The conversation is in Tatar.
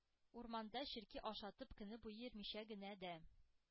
Урманда черки ашатып көне буе йөрмичә генә дә,